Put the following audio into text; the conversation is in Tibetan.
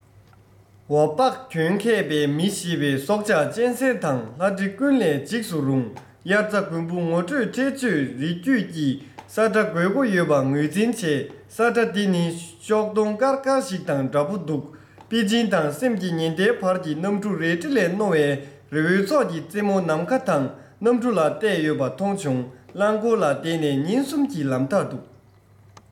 ཝ པགས གྱོན མཁས པའི མི ཞེས པའི སྲོགས ཆགས གཅན གཟན དང ལྷ འདྲེ ཀུན ལས འཇིགས སུ རུང དབྱར རྩྭ དགུན འབུ ངོ སྤྲོད འཕྲེད གཅོད རི རྒྱུད ཀྱི ས ཁྲ དགོས མཁོ ཡོད པ ངོས འཛིན བྱས ས ཁྲ འདི ནི ཤོག སྟོང དཀར དཀར ཞིག དང འདྲ བོ འདུག པེ ཅིན དང སེམས ཀྱི ཉི ཟླའི བར གྱི གནམ གྲུ རལ གྲི ལས རྣོ བའི རི བོའི ཚོགས ཀྱི རྩེ མོ ནམ མཁའ དང གནམ གྲུ ལ གཏད ཡོད པ མཐོང བྱུང རླངས འཁོར ལ བསྡད ན ཉིན གསུམ གྱི ལམ ཐག འདུག